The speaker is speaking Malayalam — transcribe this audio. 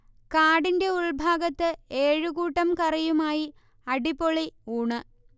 കാടിന്റ ഉൾഭാഗത്ത് ഏഴുകൂട്ടം കറിയുമായി അടിപൊളി ഊണ്